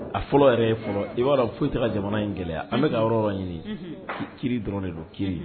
A fɔlɔ yɛrɛ fɔlɔ i b'a foyi taara jamana in gɛlɛya, unhun, an bɛ ka yɔrɔ yɔrɔ ɲini, unhun, kiiri dɔrɔn de don, kiiri